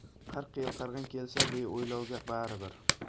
qirq yil qirg'in kelsa beo'ylovga baribir